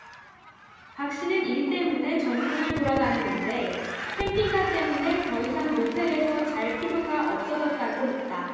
박씨는 일 때문에 전국을 돌아다니는데 캠핑카 때문에 더 이상 모텔에서 잘 필요가 없어졌다고 했다